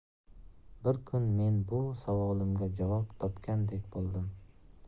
bir kun men bu savolimga javob topgandek bo'ldim